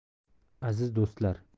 aziz do'stlar